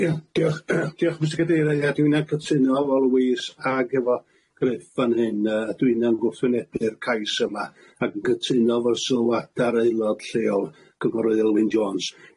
Ie diolch diolch mistar gadeirydd, dwi'na'n cytuno efo Louise ag efo gryff fan hyn yy dwi'n yy'n gwthwynebu'r cais yma ac yn cytuno efo'r sylwadau'r aelod lleol gyfarwyddwl Elwyn Jones.